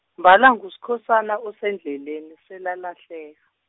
mbala nguSkhosana usendleleni selalahleka.